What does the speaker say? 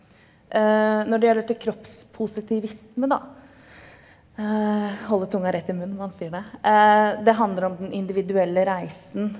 når det gjelder til kroppspositivisme da holde tunga rett i munnen når man sier det, det handler om den individuelle reisen.